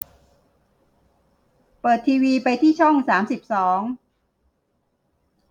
เปิดทีวีไปที่ช่องสามสิบสอง